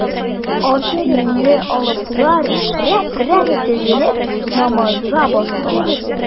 Ак киемле алыплар рәт-рәт тезелеп, намазга бастылар.